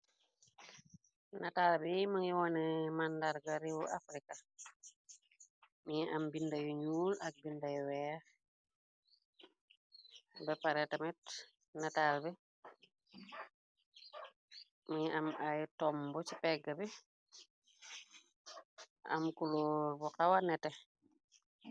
Nataal bi mi ngi wone màndarga riiwu afrika , mi ngi am binda yu ñuul ak binda weex , bea parétamit natal bi mi ngi am ay tomb ci pegg bi am kuloor bu xawa nete.